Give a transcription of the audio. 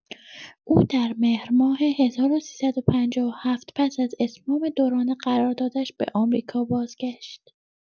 او در مهرماه ۱۳۵۷ پس از اتمام دوران قراردادش، به آمریکا بازگشت.